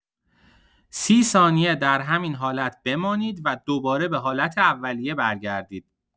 ۳۰ ثانیه در همین حالت بمانید و دوباره به حالت اولیه برگردید.